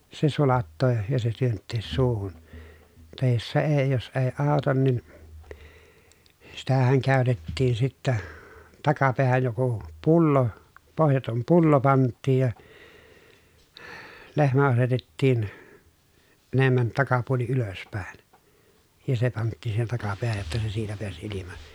se sulattaa ja se työntää suuhun tai jos se ei jos ei auta niin sitähän käytettiin sitten takapäähän joku pullo pohjaton pullo pantiin ja lehmä asetettiin enemmän takapuoli ylöspäin ja se pantiin siihen takapäähän jotta se siitä pääsi ilma